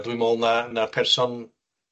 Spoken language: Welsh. ###dwi'n me'wl na na'r person